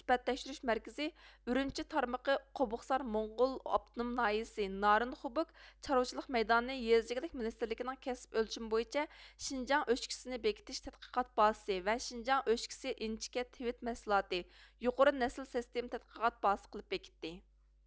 سۈپەت تەكشۈرۈش مەركىزى ئۈرۈمچى تارمىقى قوبۇقسار موڭغۇل ئاپتونوم ناھىيىسى نارىن خوبۇگ چارۋىچىلىق مەيدانىنى يېزا ئىگىلىك مىنىستىرلىكىنىڭ كەسىپ ئۆلچىمى بويىچە شىنجاڭ ئۆچكىسى نى بېكىتىش تەتقىقات بازىسى ۋە شىنجاڭ ئۆچكىسى ئىنچىكە تىۋىت مەھسۇلاتى يۇقىرى نەسىل سېستېما تەتقىقات بازىسى قىلىپ بېكىتتى